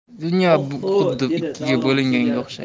dunyo xuddi ikkiga bo'linganga o'xshaydi